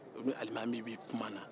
o ni alimami bɛ kuma na